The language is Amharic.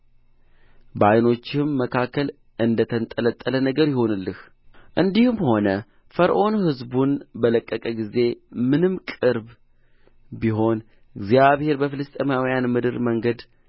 በዓይኖችህም መካከል እንደ ተንጠለጠለ ነገር ይሁንልህ እንዲህም ሆነ ፈርዖን ሕዝቡን በለቀቀ ጊዜ ምንም ቅርብ ቢሆን እግዚአብሔር በፍልስጥኤማውያን ምድር መንገድ